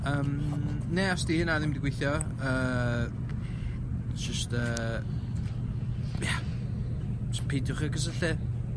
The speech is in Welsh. Yym neu os 'di hynna ddim 'di gweithio yy jyst yy ia jyst peidiwch â gysylltu.